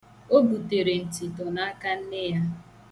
O butere ntịtọ n'aka nne ya.